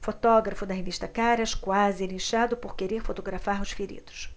fotógrafo da revista caras quase é linchado por querer fotografar os feridos